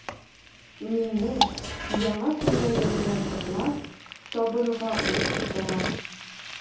Мине, яңа күлмәгем белән котлап, табынга утырттылар.